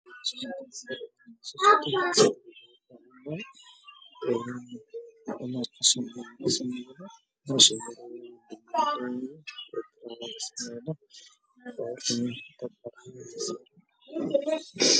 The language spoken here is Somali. Meeshaan oo meel laami ah waxaa marayo gaari weyn badan oo xamuul ah waxaana korka ka saaran laba nin